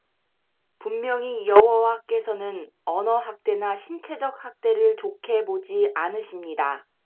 분명히 여호와께서는 언어 학대나 신체적 학대를 좋게 보지 않으십니다